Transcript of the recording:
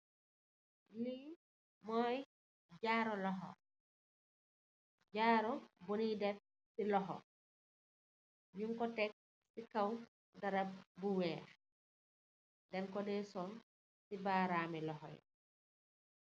Lo moi jaaru loxox jaaru bu nyui def si loxox nung ko tek si kaw daram bu weex deng ko deh sol si barami loxoi.